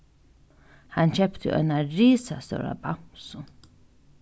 hann keypti eina risastóra bamsu